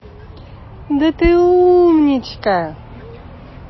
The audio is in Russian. да ты умничка